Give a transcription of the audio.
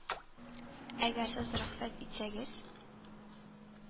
Әгәр сез рөхсәт итсәгез